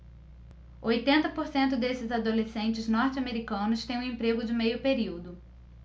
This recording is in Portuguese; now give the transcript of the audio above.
oitenta por cento desses adolescentes norte-americanos têm um emprego de meio período